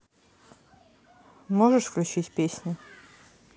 можешь включить песню